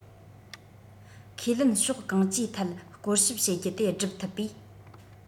ཁས ལེན ཕྱོགས གང ཅིའི ཐད སྐོར ཞིབ བྱེད རྒྱུ དེ སྒྲུབ ཐུབ པས